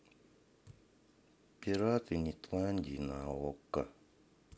пираты нетландии на окко